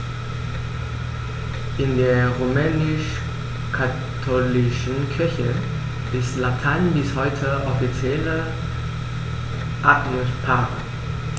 In der römisch-katholischen Kirche ist Latein bis heute offizielle Amtssprache.